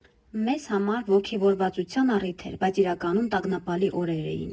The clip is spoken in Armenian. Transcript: Մեզ համար ոգևորվածության առիթ էր, բայց իրականում տագնապալի օրեր էին։